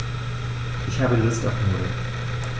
Ich habe Lust auf Nudeln.